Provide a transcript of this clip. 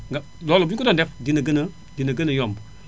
nga loolu buñu ko doon def dina gën a dina gën a yomb